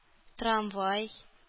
Трамвай